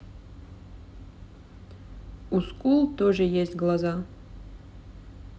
у skull тоже есть глаза